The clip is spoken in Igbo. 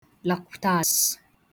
làkwuteàzụ